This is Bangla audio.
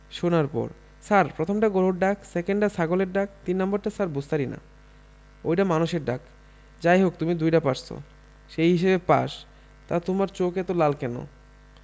শোনার পর ছার প্রথমডা গরুর ডাক সেকেন ডা ছাগলের ডাক তিন নাম্বারডা ছার বুঝতারিনা ওইডা মানুষের ডাক যাই হোক তুমি দুইডা পারছো সেই হিসেবে পাস তা তোমার চোখ এত লাল কেন